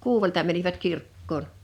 kuudelta menivät kirkkoon